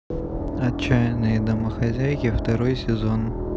отчаянные домохозяйки второй сезон